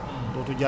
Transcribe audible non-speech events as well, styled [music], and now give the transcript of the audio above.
[hesitation] [hesitation]